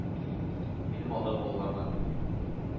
Минем алда ул аларны